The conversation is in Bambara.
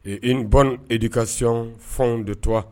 Ee i bɔ e de kasi fɛnw de to